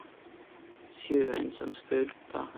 Sjøen som skvulper.